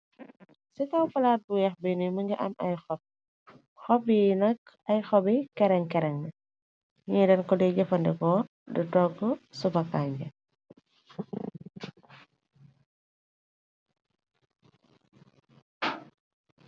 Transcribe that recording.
Cii kaw plaat bu wekh bii mungy am aiiy hohbb, hohbb yii nak aiiy hohbbi kereng kereng la, nitt njiii dengh kor dey jeufandehkor dii tohgu super kanjah.